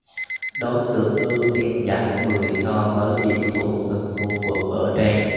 đối tượng ưu tiên giảm mười so với điểm thuộc từng khu vực ở trên